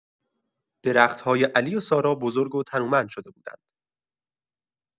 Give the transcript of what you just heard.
درخت‌های علی و سارا بزرگ و تنومند شده بودند.